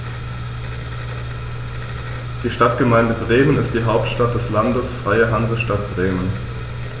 Die Stadtgemeinde Bremen ist die Hauptstadt des Landes Freie Hansestadt Bremen.